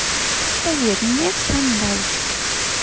поверь мне все нравится